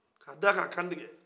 ka da de ka a kan tɛgɛ